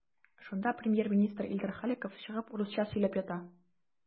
Шунда премьер-министр Илдар Халиков чыгып урысча сөйләп ята.